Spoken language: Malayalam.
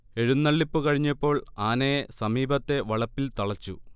എഴുന്നള്ളിപ്പ് കഴിഞ്ഞപ്പോൾ ആനയെ സമീപത്തെ വളപ്പിൽ തളച്ചു